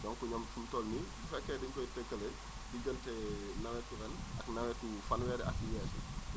donc ñoom fi énu toll nii bu fekkee daénu koy tëkkale diggante nawetu ren ak nawetu fanweeri at yi weesu